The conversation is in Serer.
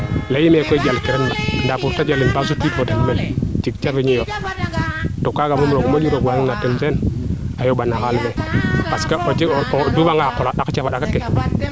leyiima koy jal ki ran ndaa pour te jalel baa sutu fo ten tig jafeñu yoo to kaaga moom roog moƴu roog wasanamo ten Sene a yomba no xaal fee parce que o duufanga xa qol xa ɗak cafa ɗaka ke